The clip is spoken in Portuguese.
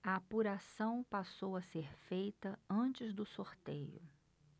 a apuração passou a ser feita antes do sorteio